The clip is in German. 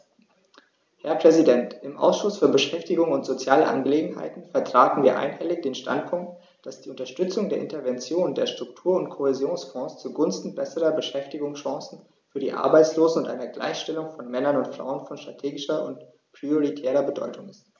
Herr Präsident, im Ausschuss für Beschäftigung und soziale Angelegenheiten vertraten wir einhellig den Standpunkt, dass die Unterstützung der Interventionen der Struktur- und Kohäsionsfonds zugunsten besserer Beschäftigungschancen für die Arbeitslosen und einer Gleichstellung von Männern und Frauen von strategischer und prioritärer Bedeutung ist.